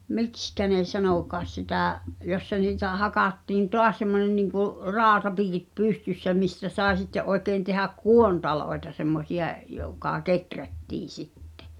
miksi ne sanokaan sitä jossa niitä hakattiin taas semmoinen niin kuin rautapiikit pystyssä mistä sai sitten oikein tehdä kuontaloita semmoisia joka kehrättiin sitten